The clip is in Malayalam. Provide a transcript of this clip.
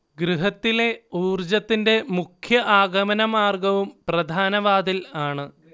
ഗൃഹത്തിലെ ഊർജ്ജത്തിന്റെ മുഖ്യ ആഗമനമാർഗ്ഗവും പ്രധാന വാതിൽ ആണ്